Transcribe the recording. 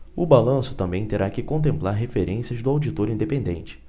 o balanço também terá que contemplar referências do auditor independente